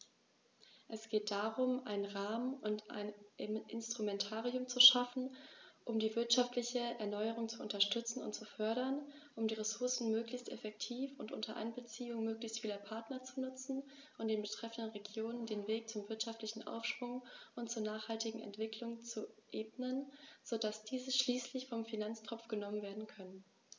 Es geht darum, einen Rahmen und ein Instrumentarium zu schaffen, um die wirtschaftliche Erneuerung zu unterstützen und zu fördern, um die Ressourcen möglichst effektiv und unter Einbeziehung möglichst vieler Partner zu nutzen und den betreffenden Regionen den Weg zum wirtschaftlichen Aufschwung und zur nachhaltigen Entwicklung zu ebnen, so dass diese schließlich vom Finanztropf genommen werden können.